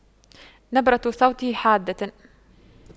نبرة صوته حادة